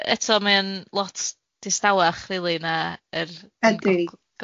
Ma' eto mae o'n lot distawach rili na yr Gogledd.